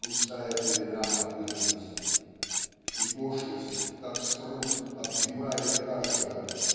густая пелена обыденности. И пошлость как спрут обвивает каждого